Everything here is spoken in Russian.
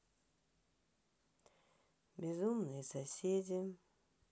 безумные соседи